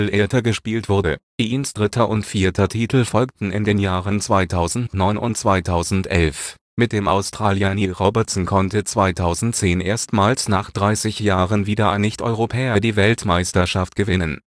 Theatre gespielt wurde. Higgins’ dritter und vierter Titel folgten in den Jahren 2009 und 2011. Mit dem Australier Neil Robertson konnte 2010 erstmals nach 30 Jahren wieder ein Nicht-Europäer die Weltmeisterschaft gewinnen